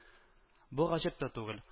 Бу гаҗәп тә түгел